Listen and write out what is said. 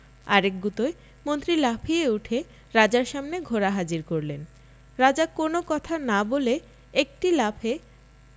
আর এক গুতোয় মন্ত্রী লাফিয়ে উঠে রাজার সামনে ঘোড়া হাজির করলেন রাজা কোন কথা না বলে একটি লাফে